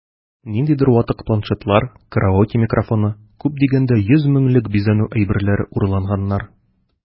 Ниндидер ватык планшетлар, караоке микрофоны(!), күп дигәндә 100 меңлек бизәнү әйберләре урлаганнар...